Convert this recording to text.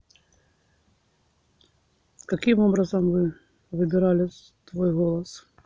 каким образом вы выбирали твой голос